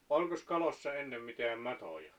olikos kaloissa ennen mitään matoja